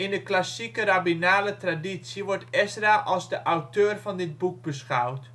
de klassieke rabbinale traditie wordt Ezra als de auteur van dit boek beschouwd